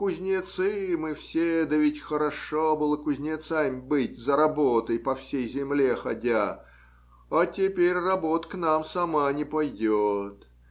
кузнецы мы все, да ведь хорошо было кузнецами быть, за работой по всей земле ходя, а теперь работа к нам сама не пойдет.